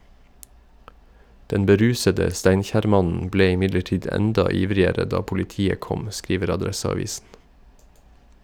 Den berusede Steinkjer-mannen ble imidlertid enda ivrigere da politiet kom, skriver Adresseavisen.